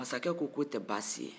masakɛ ko ko o tɛ baasi ye